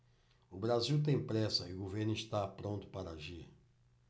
o brasil tem pressa e o governo está pronto para agir